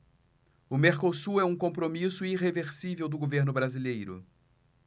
o mercosul é um compromisso irreversível do governo brasileiro